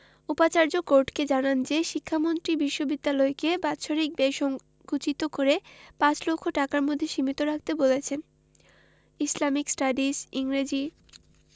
উপাচার্য কোর্টকে জানান যে শিক্ষামন্ত্রী বিশ্ববিদ্যালয়কে বাৎসরিক ব্যয় সংকুচিত করে পাঁচ লক্ষ টাকার মধ্যে সীমিত রাখতে বলেছেন ইসলামিক স্টাডিজ ইংরেজি